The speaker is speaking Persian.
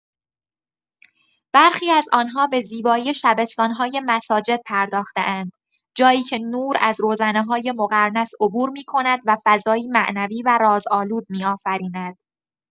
برخی از آن‌ها به زیبایی شبستان‌های مساجد پرداخته‌اند، جایی که نور از روزنه‌های مقرنس عبور می‌کند و فضایی معنوی و رازآلود می‌آفریند.